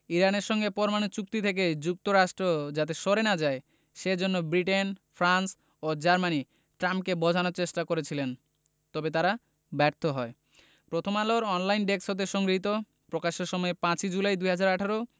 ইরানের সঙ্গে পরমাণু চুক্তি থেকে যুক্তরাষ্ট্র যাতে সরে না যায় সে জন্য ব্রিটেন ফ্রান্স ও জার্মানি ট্রাম্পকে বোঝানোর চেষ্টা করছিলেন তবে তারা ব্যর্থ হয় প্রথমআলোর অনলাইন ডেস্ক হতে সংগৃহীত প্রকাশের সময় ৫ জুলাই ২০১৮